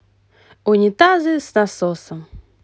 унитазы с насосом